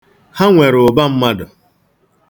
Ha nwere ụba mmadụ.